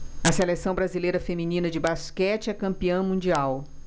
a seleção brasileira feminina de basquete é campeã mundial